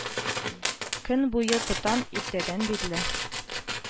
Көн буе тотам, иртәдән бирле